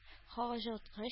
Һаваҗылыткыч